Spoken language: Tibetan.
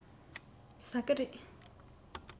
ཟ ཀི རེད